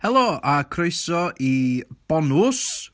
Helo a croeso i Bonws.